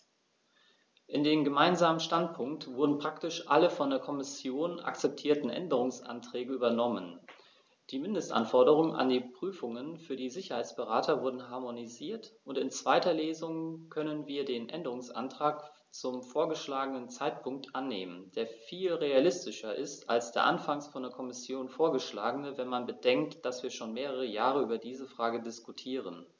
In den gemeinsamen Standpunkt wurden praktisch alle von der Kommission akzeptierten Änderungsanträge übernommen, die Mindestanforderungen an die Prüfungen für die Sicherheitsberater wurden harmonisiert, und in zweiter Lesung können wir den Änderungsantrag zum vorgeschlagenen Zeitpunkt annehmen, der viel realistischer ist als der anfangs von der Kommission vorgeschlagene, wenn man bedenkt, dass wir schon mehrere Jahre über diese Frage diskutieren.